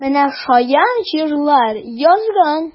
Ә менә шаян җырлар язган!